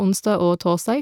Onsdag og torsdag.